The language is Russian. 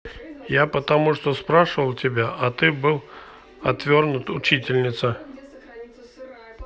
я потому что спрашивал тебя а ты был отвернут учительница